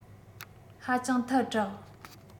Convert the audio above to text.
ཧ ཅང ཐལ དྲགས